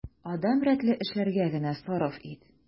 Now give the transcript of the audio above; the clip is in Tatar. Адәм рәтле эшләргә генә сарыф ит.